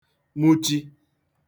mụchi